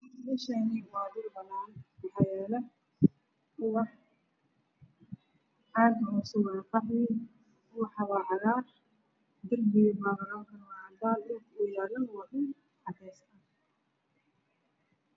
me Shani wa guri banan waxayala ubax cag asigana qaxwi ubaxa wa cagaar dirbiga iya bararalka wacadan dhulka uyalana wa dhul cades ah